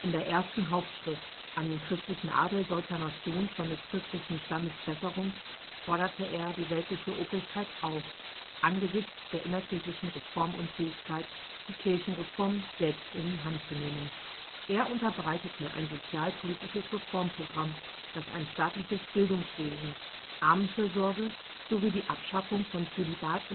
der ersten Hauptschrift An den christlichen Adel deutscher Nation von des christlichen Standes Besserung forderte er die weltliche Obrigkeit auf, angesichts der innerkirchlichen Reformunfähigkeit die Kirchenreform selbst in die Hand zu nehmen. Er unterbreitete ein sozial-politisches Reformprogramm, das ein staatliches Bildungswesen, Armenfürsorge sowie die Abschaffung von Zölibat